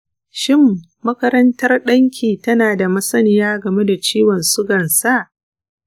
shin makarantar ɗanki tana da masaniya game da ciwon sugan sa?